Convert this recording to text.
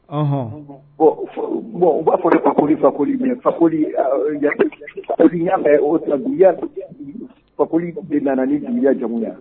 Ɔ bon u b'a fɔ fako fakoli fakoya fakoli de nana ni juguyaya jamu na